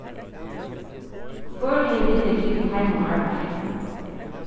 hvør hevði viljað givið teimum arbeiði